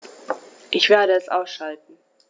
Ich werde es ausschalten